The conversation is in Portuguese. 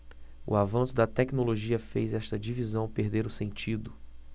o avanço da tecnologia fez esta divisão perder o sentido